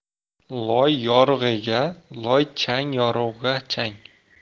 loy yorig'iga loy chang yorig'iga chang